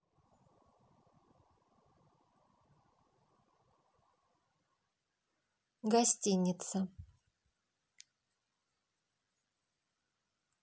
гостиница